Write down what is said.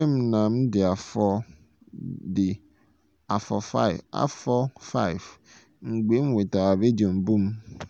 Echere m na m dị afọ 5 mgbe m nwetara redio mbụ m.